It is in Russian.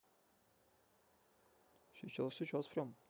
сейчас сейчас прям